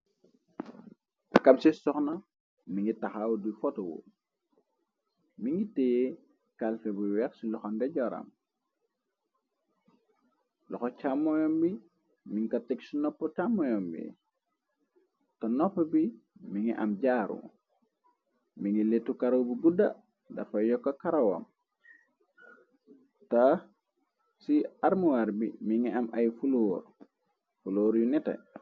Pakam ci soxna mi ngi taxaw di fotowo mi ngi tee kalfe bu wex ci loxa ndejooram loxo càmmoyoom bi minkateg ci nopp càmmoyoom bi te nopp bi mi ngi am jaaru mi ngi litu kara bu budda dafa yokka karawam ta ci armuwaar bi mi ngi am ay fuloor fuloor yu nite.